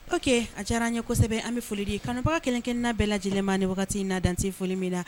Ok a diyar'an ye kosɛbɛ an be foli di kanubaga kelen-kelenna bɛɛ lajɛlen ma nin wagati in na dante foli min na